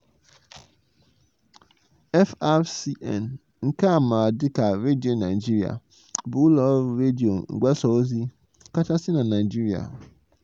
FRCN — nke a maara dịka Radio Nigeria — bụ ụlọ ọrụ redio mgbasa ozi kachasị na Naịjirịa, nke na-ejere ọtụtụ ndị na-ege ntị ozi na obodo Lagos ozi na redio atọ dị iche iche, ya bụ: Radio One 103.5 FM, Metro 97.7 FM na ọtụtụ ihe nrite Bond 92.9 FM.